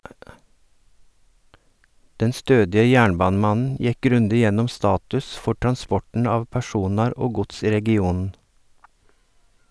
Den stødige jernbanemannen gjekk grundig gjennom status for transporten av personar og gods i regionen.